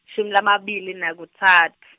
shumi lamabili nakutsatfu.